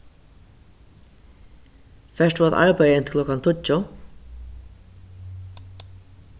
fert tú at arbeiða inntil klokkan tíggju